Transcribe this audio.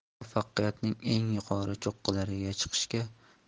muvaffaqiyatning eng yuqori cho'qqilariga chiqishga